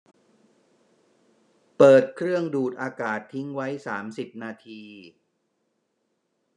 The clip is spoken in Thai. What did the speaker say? เปิดเครื่องดูดอากาศทิ้งไว้สามสิบนาที